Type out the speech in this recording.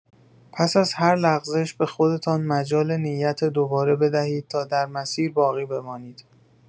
پس از هر لغزش به خودتان مجال نیت دوباره بدهید تا در مسیر باقی بمانید.